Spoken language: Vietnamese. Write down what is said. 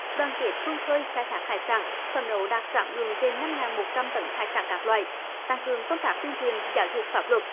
đoàn kết vươn khơi khai thác hải sản phấn đấu đạt sản lượng trên năm ngàn một trăm tấn hải sản các loại tăng cường công tác tuyên truyền giáo dục pháp luật